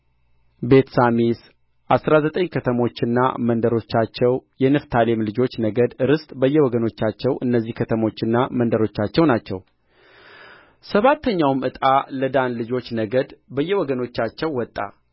ቤትሳሚስ አሥራ ዘጠኝ ከተሞችና መንደሮቻቸው የንፍታሌም ልጆች ነገድ ርስት በየወገኖቻቸው እነዚህ ከተሞችና መንደሮቻቸው ናቸው ሰባተኛውም ዕጣ ለዳን ልጆች ነገድ በየወገኖቻቸው ወጣ